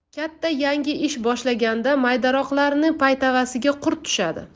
katta yangi ish boshlaganda maydaroqlarining paytavasiga qurt tushadi